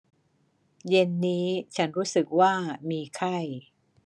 เย็นนี้ฉันรู้สึกว่ามีไข้